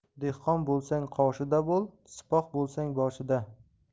dehqon bo'lsang qoshida bo'l sipoh bo'lsang boshida